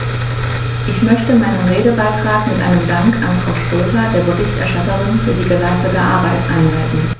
Ich möchte meinen Redebeitrag mit einem Dank an Frau Schroedter, der Berichterstatterin, für die geleistete Arbeit einleiten.